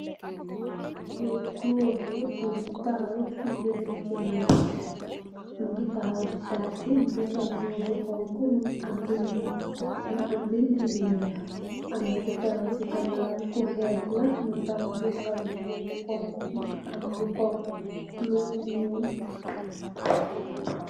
Li gòor la, gòor bu tahaw ci miramu jogantè. Mungi tahaw di tachu, mungi sol mbuba bu honku, mungi am lu ñuul, mu am bindi yu weeh. Amna ku tahaw ci gannawam ku hees la mum tam mungi sol mbuba bu honku, mungi am lu honku, lu ñuul.